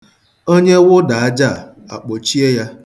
Onye wụda aja a, akpọchie ya.